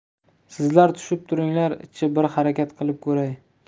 sizlar tushib turinglar chi bir harakat qilib ko'ray